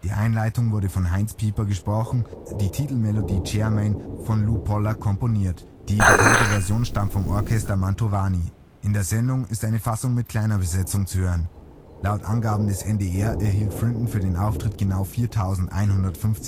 Einleitung wurde von Heinz Piper gesprochen und die Titelmelodie „ Charmaine “von Lew Pollack komponiert, die bekannteste Version stammt vom Orchester Mantovani. In der Sendung ist eine Fassung mit kleiner Besetzung zu hören. Laut Angaben des NDR erhielt Frinton für diesen Auftritt genau DM 4.150, –